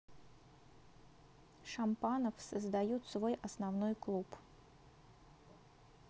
shampanov создают свой основной клуб